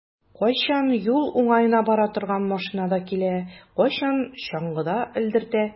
Кайчан юл уңаена бара торган машинада килә, кайчан чаңгыда элдертә.